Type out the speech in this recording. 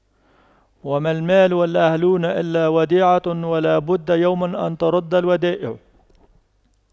وما المال والأهلون إلا وديعة ولا بد يوما أن تُرَدَّ الودائع